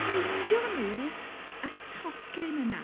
ffeindion nhw y tocyn yna.